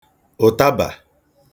ụ̀tabà